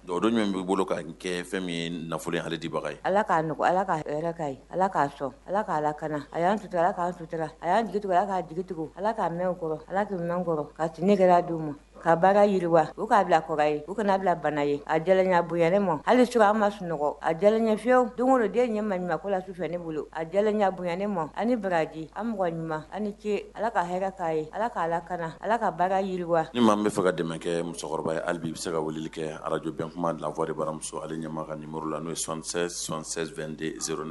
Don don min b' bolo k ka kɛ fɛn min ye nafolo halijibaga ye ala k'aɔgɔn ala ka yɛrɛ ka ye ala k'a sɔrɔ ala k'a alak a y'an suta k' sutura a y'a dkicogo a' k'a digicogo ala k'a mɛn kɔrɔ alaki min kɔrɔ ka nege' d' ma ka bagan yiriwa u k'a bila kɔrɔ ye u kana'a bila bana ye a jalaya bonyay ne ma hali su an ma su sunɔgɔ a jalaɲɛfyew don don den ɲɛmaaɲuman ko la sufɛ ne bolo a jalaya bonyayyannen ma ani bagaji an m ɲumanuma ani ce ala ka hakɛ' a ye ala k'a lak ala ka bagan yiriwa ni ma n bɛ fɛ ka dɛmɛ kɛ musokɔrɔba ye hali bi bɛ se ka wuli kɛ arajbɛn kuma lafa baramuso ale ɲɛma ka nimo la n'o ye son sonkisɛ2den soe